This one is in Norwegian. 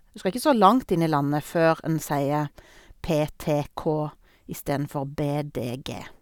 Du skal ikke så langt inn i landet før en sier p, t, k, istedenfor b, d, g.